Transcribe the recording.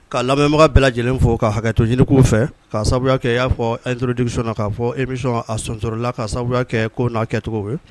Kaa lamɛnbaga bɛɛ lajɛlen fo ka hakɛtɔ ɲini' fɛ ka sababu kɛ y'a fɔ ettourutigiwso na k'a fɔ emi sɔn a sonsola ka sababu kɛ ko n'a kɛcogo ye